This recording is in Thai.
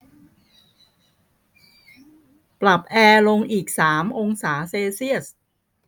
ปรับแอร์ลงอีกสามองศาเซลเซียส